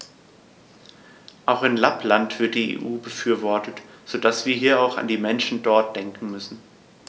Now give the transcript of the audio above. Auch in Lappland wird die EU befürwortet, so dass wir hier auch an die Menschen dort denken müssen.